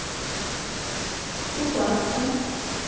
купаться